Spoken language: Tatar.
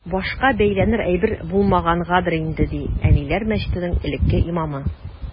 Башка бәйләнер әйбер булмагангадыр инде, ди “Әниләр” мәчетенең элекке имамы.